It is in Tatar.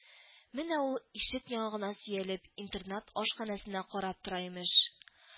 Менә ул ишек яңагына сөялеп интернат ашханәсенә карап тора имеш